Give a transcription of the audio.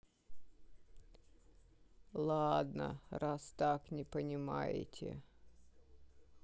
ладно раз так не понимаете